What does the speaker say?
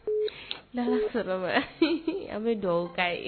N sɔrɔ an bɛ dugawu'a ye